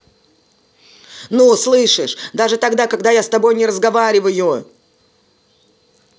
ну слышишь даже тогда когда я с тобой не разговариваю